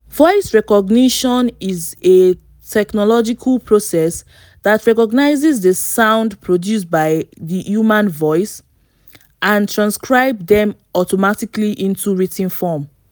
Voice recognition is a technological process that recognizes the sounds produced by the human voice and transcribes them automatically into written form.